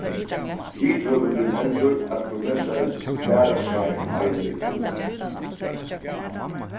rithøvundurin heldur at professarin bara sær feilir í bókini